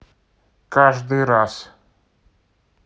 каждый раз